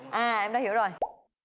à em đã hiểu rồi